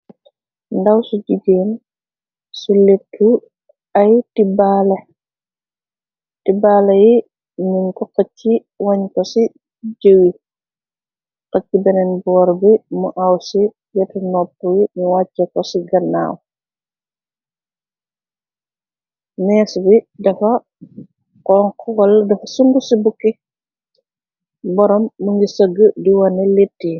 Ndaw su jigeen su lettu ay ti baale yi nuñ ko ka ci wañ ko ci jewi xo ci beneen boor bi mu aw ci yetu nopp wi ñu wàcce ko ci gannaaw. mees bi dafa on xoal dafa sung ci bukki boroom mu ngi sëgg di wone litt yi.